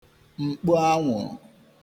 mkpo anwụ̀rụ̀